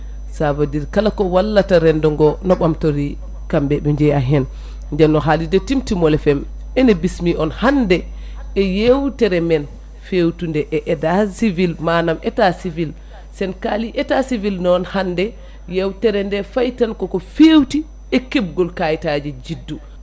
sa veut dire kalako wallata rendigo no ɓamtori kamɓe ɓe jeeya hen nden noon haalirde Timtimol FM ene bismi on hande e yewteremen fewtude e état civil manam état civil sen kaali état civil noon hande yewtere nde fayi tan koko fewti e kebgo kayitaji juddu